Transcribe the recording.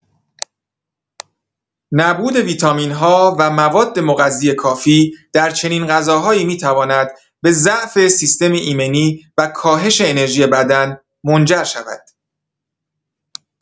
نبود ویتامین‌ها و مواد مغذی کافی در چنین غذاهایی می‌تواند به ضعف سیستم ایمنی و کاهش انرژی بدن منجر شود.